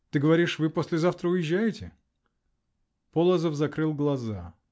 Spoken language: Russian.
Ты говоришь, вы послезавтра уезжаете? Полозов закрыл глаза.